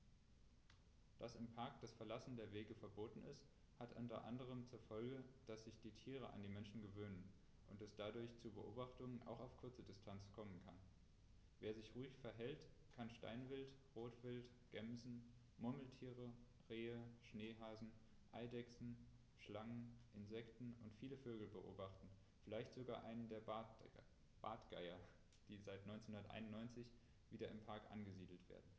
Dass im Park das Verlassen der Wege verboten ist, hat unter anderem zur Folge, dass sich die Tiere an die Menschen gewöhnen und es dadurch zu Beobachtungen auch auf kurze Distanz kommen kann. Wer sich ruhig verhält, kann Steinwild, Rotwild, Gämsen, Murmeltiere, Rehe, Schneehasen, Eidechsen, Schlangen, Insekten und viele Vögel beobachten, vielleicht sogar einen der Bartgeier, die seit 1991 wieder im Park angesiedelt werden.